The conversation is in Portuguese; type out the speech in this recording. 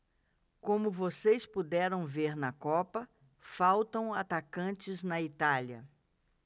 como vocês puderam ver na copa faltam atacantes na itália